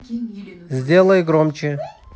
сделай громче